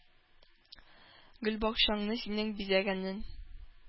Гөлбакчаңны синең бизәгәнен,